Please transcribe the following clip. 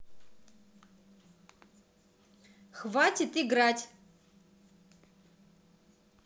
хватит играть